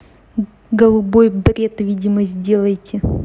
голубой бред видимо сделайте